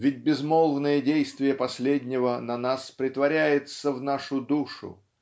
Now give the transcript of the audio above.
ведь безмолвное действие последнего на нас претворяется в нашу душу